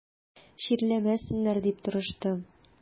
Чирләмәсеннәр дип тырыштым.